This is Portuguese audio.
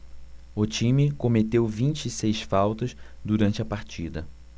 o time cometeu vinte e seis faltas durante a partida